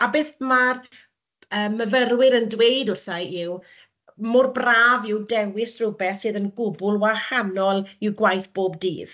a beth ma'r yym myfyrwyr yn dweud wrtha i yw, mor braf yw dewis rywbeth sydd yn gwbl wahanol i'w gwaith bob dydd.